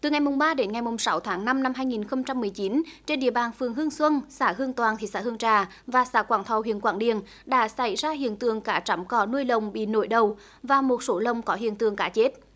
từ ngày mồng ba đến ngày mùng sáu tháng năm năm hai nghìn không trăm mười chín trên địa bàn phường hương xuân xã hương toàn thị xã hương trà và xã quảng thọ huyện quảng điền đã xảy ra hiện tượng cá trắm cỏ nuôi lồng bị nổi đầu và một số lồng có hiện tượng cá chết